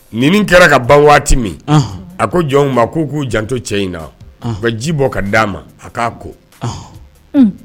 Nin kɛra ka ban waati min a ko jɔn ma k' k'u janto cɛ in na ka ji bɔ ka d di'a ma a k'a ko